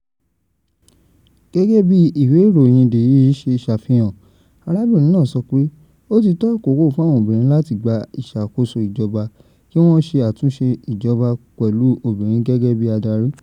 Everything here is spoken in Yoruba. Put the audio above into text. "Gẹ́gẹ́ bí ìwé ìròyìn The Hill ṣe àfihàn hàn, arábìnrin náà sọ pé ó ti tó àkókò fún àwọn obìnrin láti gbà ìṣàkóso ìjọba, kí wọ́n sì ṣe àtúnṣe ìjọba pẹ̀lú obìnrin gẹ́gẹ́ bí adarí.